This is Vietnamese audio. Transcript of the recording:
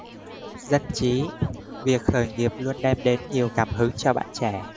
dân trí việc khởi nghiệp luôn đem đến nhiều cảm hứng cho bạn trẻ